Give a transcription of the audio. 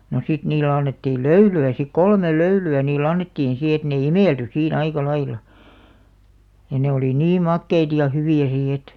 no sitten niille annettiin löylyä sitten kolme löylyä niille annettiin sitten että ne imeltyi siinä aika lailla ja ne oli niin makeita ja hyviä sitten että